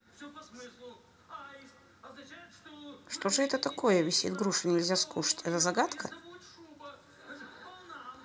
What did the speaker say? что же это такое висит груша нельзя скушать это загадка